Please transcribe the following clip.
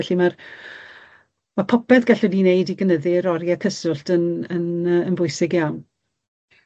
Felly ma'r ma' popeth gallen ni neud i gynyddu'r orie cyswllt yn yn yy yn bwysig iawn.